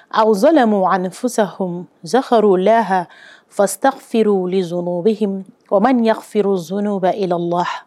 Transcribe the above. A lamɛn ani fusa h n zakarrolara fatan feerew z u bɛ o ma' feere zoniw bɛ e la wa